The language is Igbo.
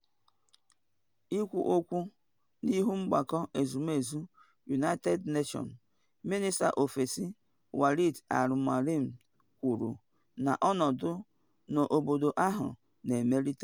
Ikwu okwu n’ihu Mgbakọ Ezumezu United Nations, minista Ofesi Walid al-Moualem kwuru na ọnọdụ n’obodo ahụ na emelite.